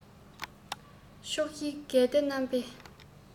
ཕྱོགས བཞིའི དགོན སྡེ རྣམ པས